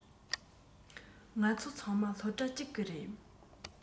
ང ཚོ ཚང མ སློབ གྲྭ གཅིག གི རེད